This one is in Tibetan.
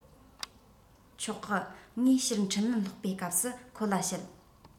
ཆོག གི ངས ཕྱིར འཕྲིན ལན ལོག པའི སྐབས སུ ཁོ ལ བཤད